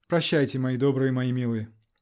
Прощайте, мои добрые, мои милые.